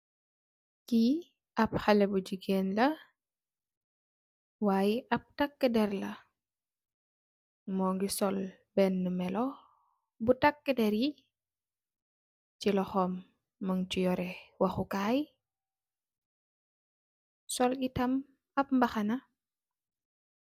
Ki ap xalex bu jigeen la y ap takader la mogi sol bena melu bu takaderi si loxom mung si yoreh wahu kai sol eii tam ap mbahana.